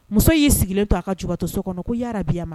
Muso y'i sigilen to a ka jubatɔ so kɔnɔ ko ya rabbi ya ma